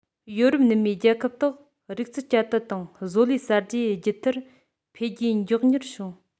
ཡོ རོབ ནུབ མའི རྒྱལ ཁབ དག རིག རྩལ བསྐྱར དར དང བཟོ ལས གསར བརྗེ བརྒྱུད མཐར འཕེལ རྒྱས མགྱོགས མྱུར བྱུང